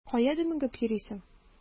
Кая дөмегеп йөрисең?